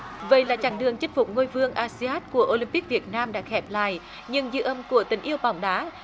vậy là chặng đường chinh phục ngôi vương a si át của ô liên píc việt nam đã khép lại nhưng dư âm của tình yêu bóng đá